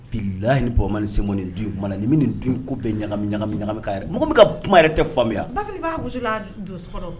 Bilahi ni papa ma nin senbɔ nin dun kuma na ni min nin dun inko bɛ ɲagami ɲagami ɲagami ka yɛrɛ mɔgɔ min kaa kuma yɛrɛ bɛ tɛ faamuya Bafili b'a